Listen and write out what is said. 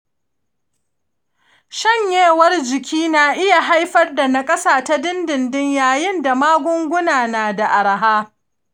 shanyewar jiki na iya haifar da nakasa ta dindindin yayinda magunguna nada arha.